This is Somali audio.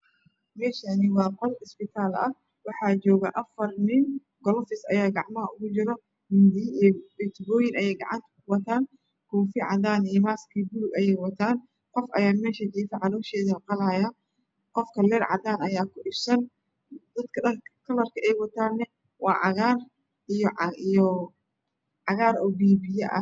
Meeshaani waa qol isbitaal ah waxa jooga afar nin galoofis ayaa gacmaha ugu jiro mindiyo iyo tubooyin ayeey gacanta ku wataan koofi cadaan iyo maski bulug ayeey wataan qof ayaa meesha jiifa calooshedu la qalaayo qofka leer cadaan ayaa ku ifsan dadka dharka kalarka ay wataana waa cagaar cagaar oo biyo biyo ah